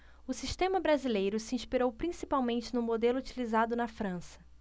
o sistema brasileiro se inspirou principalmente no modelo utilizado na frança